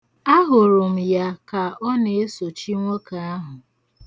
Ahụrụ ya ka ọ na-esochi nwoke ahụ.